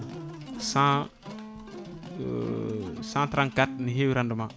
100 134 ne heewi rendement